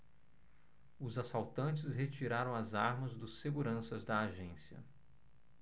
os assaltantes retiraram as armas dos seguranças da agência